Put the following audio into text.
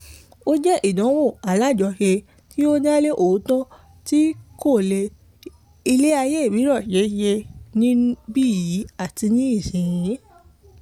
Ó jẹ́ ìdánwò àwùjọ, alájọṣe tí ó dá lé òótọ́ tí kò le: ilé ayé mìíràn ṣeéṣe, níbí yìí àti ní ìsinyìí.